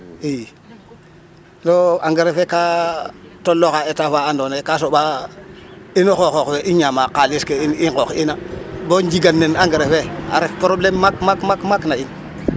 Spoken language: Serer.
II to engrais fe ka tolooxa etat fa andoona yee ka soɓa ino xooxoox we i ñaamaa xaalis ke in i nqoox'ina bo njigan ne engrais fe a ref problème maak maak na in.